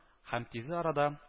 Һәм тиз арада